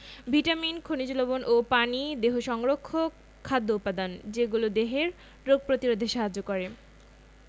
vitamin খনিজ লবন ও পানি দেহ সংরক্ষক খাদ্য উপাদান যেগুলো দেহের রোগ প্রতিরোধে সাহায্য করে